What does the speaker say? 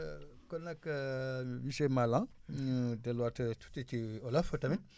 kon nag monsieur Malang ñu delluwaat tuuti ci olof tamit